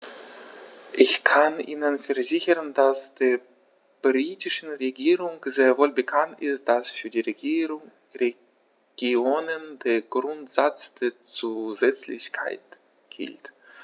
Ich kann Ihnen versichern, dass der britischen Regierung sehr wohl bekannt ist, dass für die Regionen der Grundsatz der Zusätzlichkeit gilt.